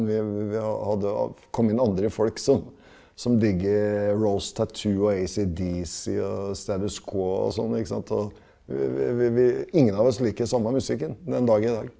vi vi hadde, kom inn andre folk som som digger og ACDC og Status Quo og sånn ikke sant og vi vi vi vi ingen av oss liker samme musikken den dag i dag.